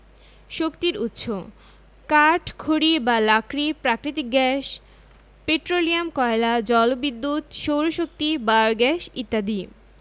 শক্তির উৎসঃ কাঠ খড়ি বা লাকড়ি প্রাকৃতিক গ্যাস পেট্রোলিয়াম কয়লা জলবিদ্যুৎ সৌরশক্তি বায়োগ্যাস ইত্যাদি